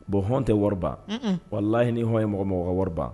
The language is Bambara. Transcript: Bon hɔn tɛ wari wala lahi hɔn mɔgɔ mɔgɔ ka wariba